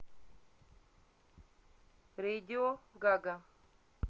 рейдио гага